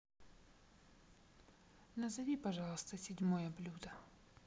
назови пожалуйста седьмое блюдо